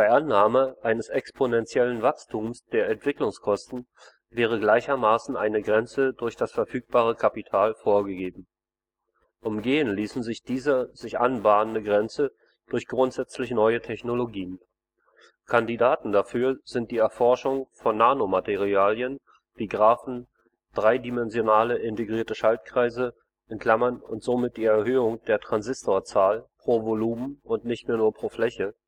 Annahme eines exponentiellen Wachstums der Entwicklungskosten wäre gleichermaßen eine Grenze durch das verfügbare Kapital vorgegeben. Umgehen ließe sich diese sich anbahnende Grenze durch grundsätzlich neue Technologien. Kandidaten dafür sind die Erforschung von Nanomaterialien wie Graphen, dreidimensionale integrierte Schaltkreise (und somit die Erhöhung der Transistorzahl pro Volumen und nicht mehr nur pro Fläche